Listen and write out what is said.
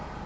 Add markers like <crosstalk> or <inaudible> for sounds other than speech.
<hesitation>